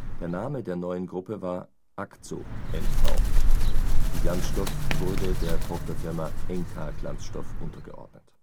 der Name der neuen Gruppe war AKZO N.V., die Glanzstoff wurde der Tochterfirma Enka-Glanzstoff untergeordnet